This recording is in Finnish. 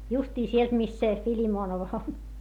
justiin sieltä mistä se Filimonov on